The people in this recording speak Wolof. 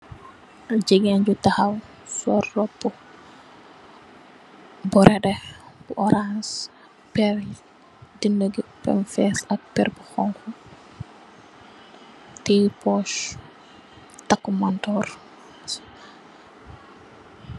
Jegain ju tahaw sol roubu brodeh bu orance per denege bam fess ak per bu xonxo teye puss take munturr.